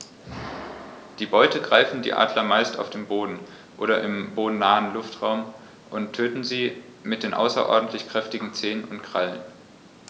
Die Beute greifen die Adler meist auf dem Boden oder im bodennahen Luftraum und töten sie mit den außerordentlich kräftigen Zehen und Krallen.